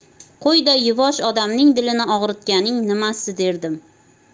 qo'yday yuvosh odamning dilini og'ritganing nimasi derdim